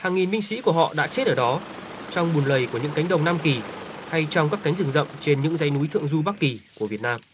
hàng nghìn binh sĩ của họ đã chết ở đó trong bùn lầy của những cánh đồng nam kỳ hay trong các cánh rừng rậm trên những dãy núi thượng du bắc kỳ của việt nam